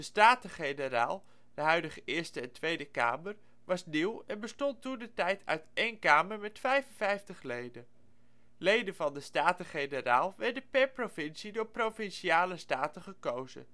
Staten-Generaal (de huidige Eerste - en Tweede Kamer) was nieuw en bestond toentertijd uit één Kamer met 55 leden. Leden van de Staten-Generaal werden per provincie door Provinciale staten gekozen